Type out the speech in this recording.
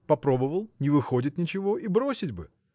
попробовал – не выходит ничего: и бросить бы.